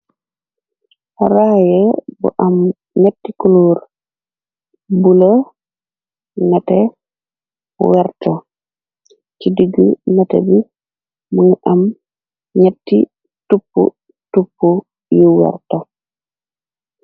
raaye bu am netti kuluur bu la nate werto ci digg naté bi mëngu am ñetti tupp tup yu werto